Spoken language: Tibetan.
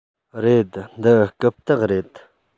རེད འདི རྐུབ སྟེགས རེད